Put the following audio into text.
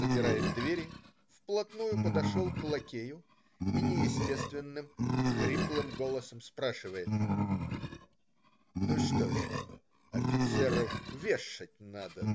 запирает дверь, вплотную подошел к лакею и неестественным, хриплым голосом спрашивает: "Ну, что же, офицеров вешать надо?